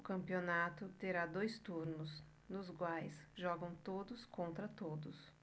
o campeonato terá dois turnos nos quais jogam todos contra todos